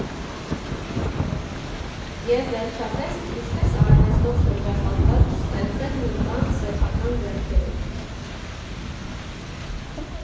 Եվ վերջապես, ինչպե՞ս արվեստով շրջապատված չստեղծել մի բան սեփական ձեռքերով։